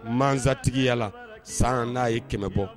Masa tigiyala san n'a ye kɛmɛ bɔ